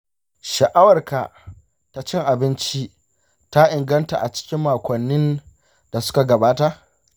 sha’awarka ta cin abinci ta inganta a cikin makonnin da suka gabata?